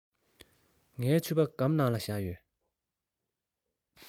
ངའི ཕྱུ པ སྒམ ནང ལ བཞག ཡོད